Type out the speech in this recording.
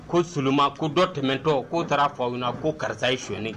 Ko seulement ko dɔ tɛmɛntɔ k'o taara fɔ aw ɲɛna ko karisa ye sonyali kɛ